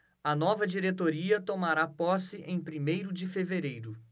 a nova diretoria tomará posse em primeiro de fevereiro